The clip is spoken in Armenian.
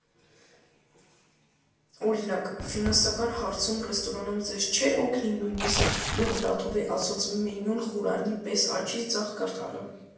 Օրինակ, ֆինանսական հարցում ռեստորանում ձեզ չէր օգնի նույնիսկ Դովլաթովի ասած՝ մենյուն Ղուրանի պես աջից ձախ կարդալը։